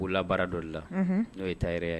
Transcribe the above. B'la baara dɔ de la n'o ye ta yɛrɛ ye